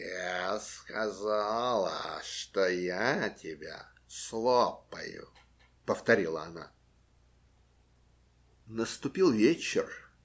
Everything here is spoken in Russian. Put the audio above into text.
- Я сказала, что я тебя слопаю! - повторила она. Наступил вечер